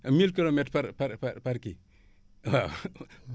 mille kilom-tre par par par par kii